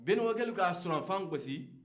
benɔkɔlu ka sɔrɔfan gosi